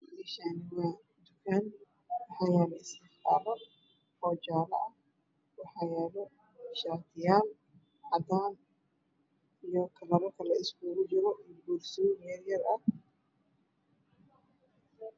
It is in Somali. Meeshaani waa tukaan waxaa yaalo iskifaalo jaalo ah waxa yaalo shaati yaal iyo kalaro kale isku jiro boorsooyin yaryar ah